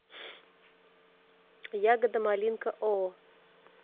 ягода малинка оо